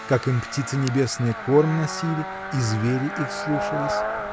как им птицы небесные корм носили и звери их слушались